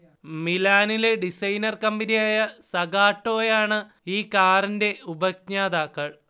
മിലാനിലെ designer കമ്പനിയായ സഗാട്ടോയാണ് ഈ കാറിന്റെ ഉപജ്ഞാതാക്കൾ